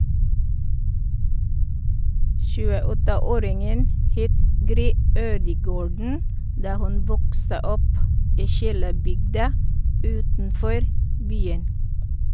28-åringen het Gry Ødegaarden da hun vokste opp i Kilebygda utenfor byen.